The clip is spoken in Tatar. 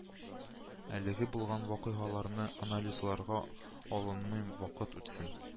Әлегә булган вакыйгаларны анализларга алынмыйм вакыт үтсен